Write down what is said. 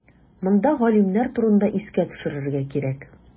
Монда галимнәр турында искә төшерергә кирәк.